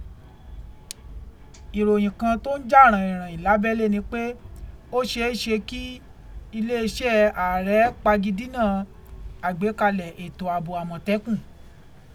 Ìròyìn kan tó ń jà ràìnràìn lábẹ́lẹ̀ ni pé, o ṣeé ṣe kí iléeṣẹ́ ààrẹ pagidínà àgbékalẹ̀ ètò ààbò Àmọ̀tẹ́kùn.